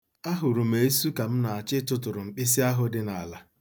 Ahụrụ m esu ka m na-achọ ịtụtụrụ mkpịsị ahụ dị n'ala.